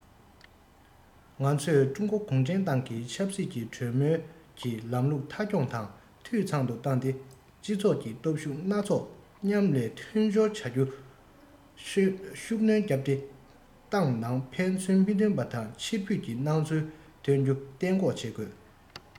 ང ཚོས ཀྲུང གོ གུང ཁྲན ཏང གིས ཆབ སྲིད གྲོས མོལ གྱི ལམ ལུགས མཐའ འཁྱོངས དང འཐུས ཚང དུ བཏང ནས སྤྱི ཚོགས ཀྱི སྟོབས ཤུགས སྣ ཚོགས མཉམ ལས མཐུན སྦྱོར བྱ རྒྱུར ཤུགས སྣོན བརྒྱབ སྟེ ཏང ནང ཕན ཚུན མི མཐུན པ དང ཕྱིར འབུད ཀྱི སྣང ཚུལ ཐོན རྒྱུ གཏན འགོག བྱེད དགོས